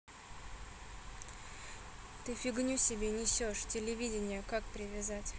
ты фигню себе несешь телевидение как привязать